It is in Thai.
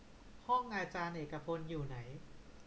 ห้องอาจารย์เอกพลอยู่ไหน